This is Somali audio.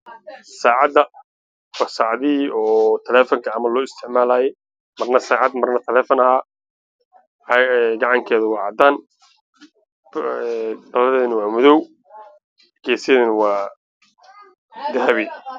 Meeshaan waxaa yaallo saacad gacankeedu yahay caddaan qaybta kalena ay tahay madow